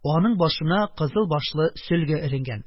Аның башына кызыл башлы сөлге эленгән...